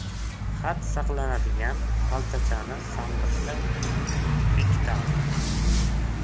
xat saqlanadigan xaltachani sandiqqa bekitardi